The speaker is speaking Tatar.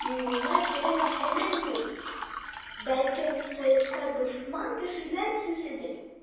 Йөгенә керер хәлем юк, бәлкем, советка дошман кешеләр сүзедер.